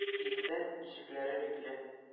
Килсәм, ишекләре бикле.